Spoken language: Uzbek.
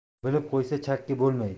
bilib qo'ysa chakki bo'lmaydi